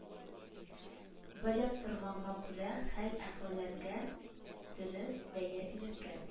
Белеп торганга күрә, хәл-әхвәлләргә дөрес бәя бирергә